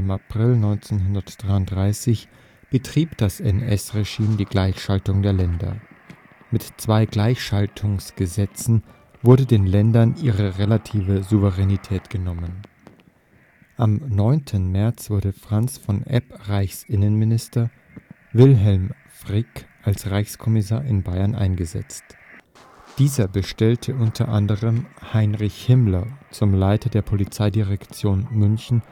April 1933 betrieb das NS-Regime die Gleichschaltung der Länder. Mit zwei Gleichschaltungsgesetzen (31. März 1933 und 7. April 1933) wurde den Ländern ihre relative Souveränität genommen. Am 9. März wurde Franz von Epp vom Reichsinnenminister Wilhelm Frick (unter Hinweis auf Artikel 2 der „ Reichstagsbrandverordnung “, 28. Februar 1933) als Reichskommissar in Bayern eingesetzt. Dieser bestellte unter anderem Heinrich Himmler zum Leiter der Polizeidirektion München